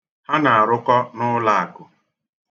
Ha na-arụkọ n'ụlọakụ.